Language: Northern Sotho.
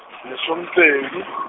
lesomepedi .